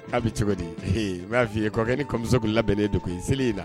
A bɛ cogo di he u y'a f fɔ ye kɔ ni kɔmuso labɛnnen do in seli la